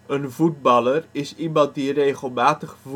Een voetballer is iemand die regelmatig